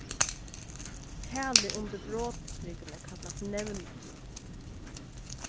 talið undir brotstrikuni kallast nevnari